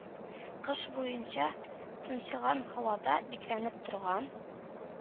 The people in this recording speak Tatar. Кыш буенча тынчыган һавада бикләнеп торган